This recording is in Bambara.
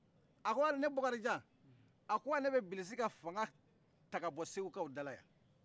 a ne bakarijan a ko wa ne bɛ bilisi ka fanga ta ka bɔ segukaw dala yan